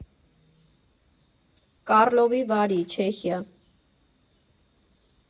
Կառլովի Վարի, Չեխիա։